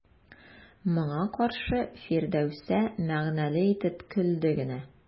Моңа каршы Фирдәүсә мәгънәле итеп көлде генә.